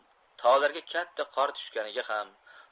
tog'larga katta qor tushganiga ham